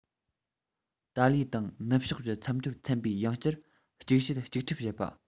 ༄༅ ཏཱ ལའི དང ནུབ ཕྱོགས ཀྱི མཚམས སྦྱོར ཚན པས ཡང བསྐྱར གཅིག བཤད གཅིག འཁྲབ བྱེད པ